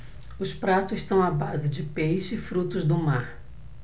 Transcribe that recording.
os pratos são à base de peixe e frutos do mar